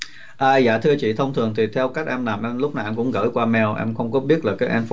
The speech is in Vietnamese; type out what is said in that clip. ờ dạ thưa chị thông thường tùy theo các em làm ăn lúc nào cũng gửi qua meo em không có biết là các em